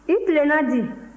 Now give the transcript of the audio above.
i tilenna di